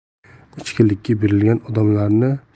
ichkilikka berilgan odamlarni